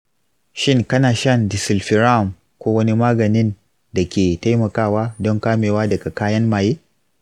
shin kana shan disulfiram ko wani maganin da ke taimakawa don kamewa daga kayan maye?